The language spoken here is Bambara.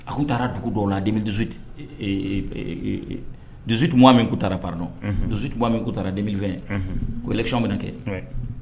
A ko u taara dugu dɔw dusutubaa min k'u taara pardɔ dusutu bbaa min' taara denfɛn ko yɛlɛkic minɛ kɛ